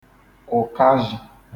ụ̀kazhị̄